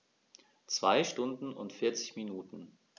2 Stunden und 40 Minuten